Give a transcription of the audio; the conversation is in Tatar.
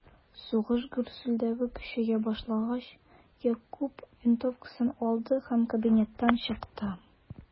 Сугыш гөрселдәве көчәя башлагач, Якуб винтовкасын алды һәм кабинеттан чыкты.